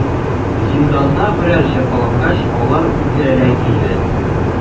Зинданда бераз җәфалангач, алар үтерелә килде.